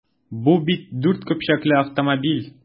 Бу бит дүрт көпчәкле автомобиль!